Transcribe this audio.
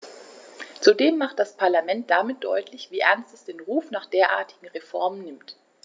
Zudem macht das Parlament damit deutlich, wie ernst es den Ruf nach derartigen Reformen nimmt.